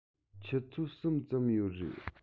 ཆུ ཚོད གསུམ ཙམ ཡོད རེད